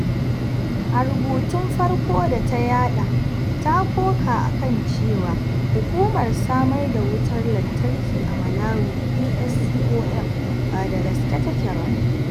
A rubutun farko da ta yaɗa, ta koka a kan cewa hukumar samar da wutar lanatarki a Malawi ESCOM ba da gaske take ba.